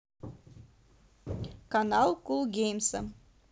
канал кулгеймса